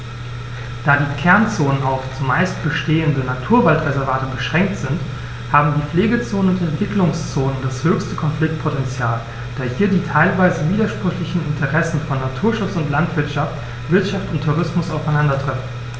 Da die Kernzonen auf – zumeist bestehende – Naturwaldreservate beschränkt sind, haben die Pflegezonen und Entwicklungszonen das höchste Konfliktpotential, da hier die teilweise widersprüchlichen Interessen von Naturschutz und Landwirtschaft, Wirtschaft und Tourismus aufeinandertreffen.